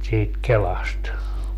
siitä kelasta